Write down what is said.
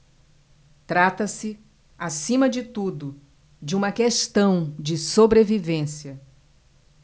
trata-se acima de tudo de uma questão de sobrevivência